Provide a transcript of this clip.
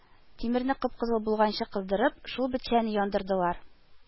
Тимерне кып-кызыл булганчы кыздырып, шул бетчәне яндырдылар